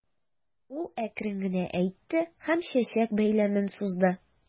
Ул әкрен генә әйтте һәм чәчәк бәйләмен сузды.